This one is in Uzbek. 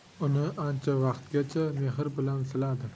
uni ancha vaqtgacha mehr bilan siladi